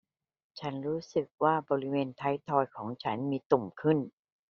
ฉันรู้สึกว่าบริเวณท้ายทอยของฉันมีตุ่มขึ้น